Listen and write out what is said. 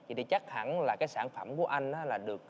thì thì chắc hẳn là các sản phẩm của anh là được